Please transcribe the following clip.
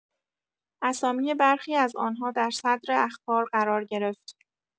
اسامی برخی از آنها در صدر اخبار قرار گرفت.